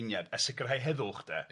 Uniad, a sicrhau heddwch de. Ia.